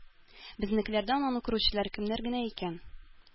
Безнекеләрдән аны күрүчеләр кемнәр генә икән?